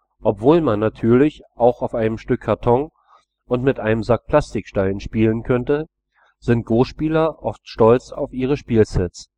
Obwohl man natürlich auch auf einem Stück Karton und mit einem Sack Plastiksteinen spielen könnte, sind Go-Spieler oft stolz auf ihre Spielsets